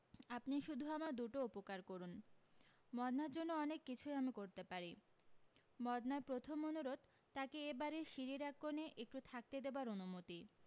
আপনি শুধু আমার দুটো উপকার করুণ মদনার জন্য অনেক কিছুই আমি করতে পারি মদনার প্রথম অনুরোধ তাকে এ বাড়ীর সিঁড়ির এক কোনে একটু থাকতে দেবার অনুমতি